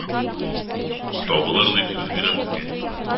Табылыр дип сүз бирәм сезгә...